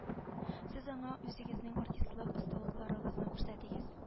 Сез аңа үзегезнең артистлык осталыкларыгызны күрсәтегез